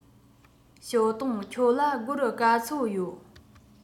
ཞའོ ཏུང ཁྱོད ལ སྒོར ག ཚོད ཡོད